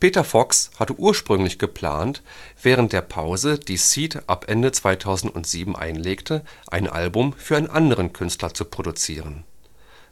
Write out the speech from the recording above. Peter Fox hatte ursprünglich geplant, während der Pause, die Seeed ab Ende 2007 einlegte, ein Album für einen anderen Künstler zu produzieren.